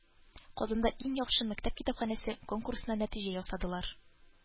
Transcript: Казанда “Иң яхшы мәктәп китапханәсе” конкурсына нәтиҗә ясадылар